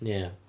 Ia.